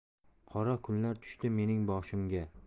qaro kunlar tushdi mening boshimga